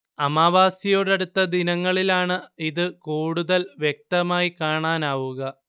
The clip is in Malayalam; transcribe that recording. അമാവാസിയോടടുത്ത ദിനങ്ങളിലാണ് ഇത് കൂടുതൽ വ്യക്തമായി കാണാനാവുക